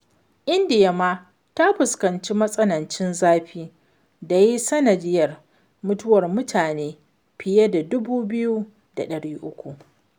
India ma ta fuskanci matsanancin zafi da ya yi sanadiyyar mutuwar mutane fiye da 2,300.